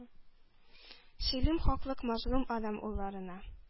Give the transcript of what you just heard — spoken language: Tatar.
Сөйлим хаклык мазлум адәм улларына!